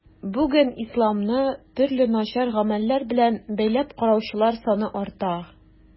Бүген исламны төрле начар гамәлләр белән бәйләп караучылар саны арта.